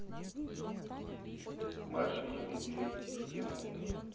маша и медведь зимой